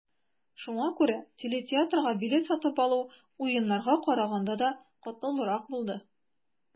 Шуңа күрә телетеатрга билет сатып алу, Уеннарга караганда да катлаулырак булды.